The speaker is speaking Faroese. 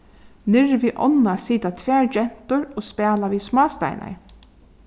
niðri við ánna sita tvær gentur og spæla við smásteinar